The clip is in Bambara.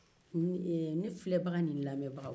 ne filɛbaga ni ne lamɛnbagaw